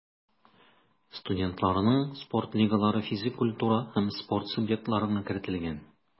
Студентларның спорт лигалары физик культура һәм спорт субъектларына кертелгән.